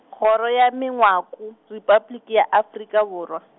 kgoro ya Mengwako, Repabliki ya Afrika Borwa.